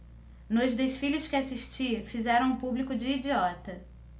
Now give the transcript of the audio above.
nos desfiles que assisti fizeram o público de idiota